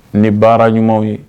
Ne baara ɲumanw ye